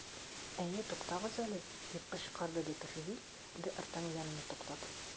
Әйе, тукагыз әле! - дип кычкырды де Тревиль, д ’ Артаньянны туктатып.